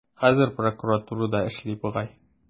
Хәзер прокуратурада эшли бугай.